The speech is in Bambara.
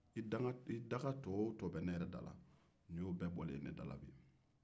i daka tɔnin min tun bɛ ne da la nin y'o bɛɛ bɔlen ne da la bi